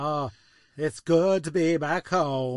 O, it's good to be back home again.